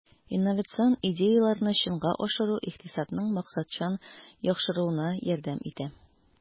Инновацион идеяләрне чынга ашыру икътисадның максатчан яхшыруына ярдәм итә.